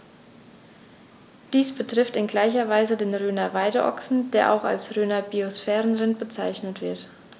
Dies betrifft in gleicher Weise den Rhöner Weideochsen, der auch als Rhöner Biosphärenrind bezeichnet wird.